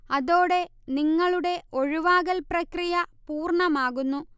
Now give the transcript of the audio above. അതോടെ നിങ്ങളുടെ ഒഴിവാകൽ പ്രക്രിയ പൂർണ്ണമാകുന്നു